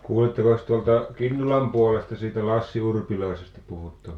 kuulittekos tuolta Kinnulan puolesta siitä Lassi Urpilaisesta puhuttavan